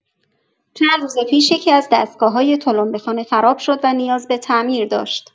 چند روز پیش یکی‌از دستگاه‌های تلمبه‌خانه خراب شد و نیاز به تعمیر داشت.